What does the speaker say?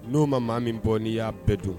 N'o ma maa min bɔ n'i y'a bɛɛ don